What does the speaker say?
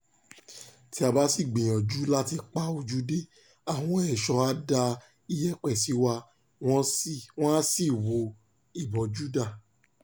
Tí a bá sì gbìyànjú láti pa ojú dé, àwọn ẹ̀ṣọ́ á da iyẹ̀pẹ̀ sí wa. Wọ́n á sì wọ ìbòjú padà.